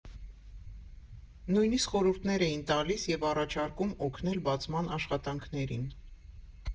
Նույնիսկ խորհուրդներ էին տալիս և առաջարկում օգնել բացման աշխատանքներին։